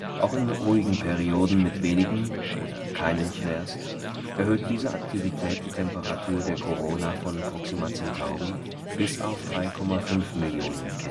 Auch in ruhigen Perioden mit wenigen oder keinen Flares erhöht diese Aktivität die Temperatur der Korona von Proxima Centauri bis auf 3,5 Millionen K